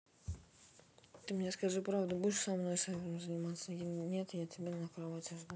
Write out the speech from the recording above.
ты мне скажи правду будешь со мной сексом заниматься нет я тебе на кровати жду